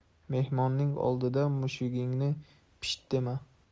mehmonning oldida mushugingni pisht dema